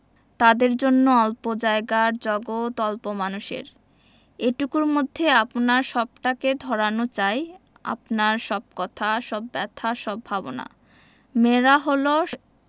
তাদের জন্য অল্প জায়গার জগত অল্প মানুষের এটুকুর মধ্যে আপনার সবটাকে ধরানো চাই আপনার সব কথা সব ব্যাথা সব ভাবনা মেয়েরা হল